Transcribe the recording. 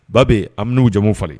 Ba bɛ an bɛ n'u jamuw falen